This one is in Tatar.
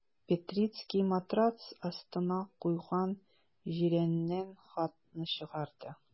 Петрицкий матрац астына куйган җирәннән хатны чыгарды.